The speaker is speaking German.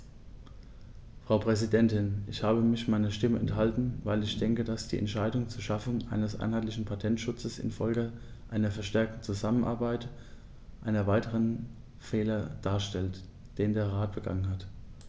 Frau Präsidentin, ich habe mich meiner Stimme enthalten, weil ich denke, dass die Entscheidung zur Schaffung eines einheitlichen Patentschutzes in Folge einer verstärkten Zusammenarbeit einen weiteren Fehler darstellt, den der Rat begangen hat.